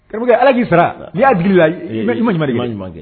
Ke ala k'i sara n'i'a gla'a ɲuman kɛ